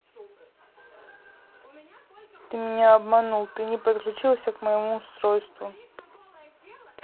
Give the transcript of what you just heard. ты меня обманул ты не подключился к моему устройству